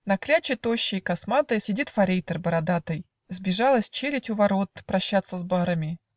На кляче тощей и косматой Сидит форейтор бородатый, Сбежалась челядь у ворот Прощаться с барами.